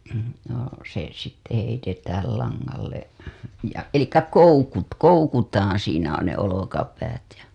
no se sitten heitetään langalle ja eli - koukutaan siinä on ne olkapäät ja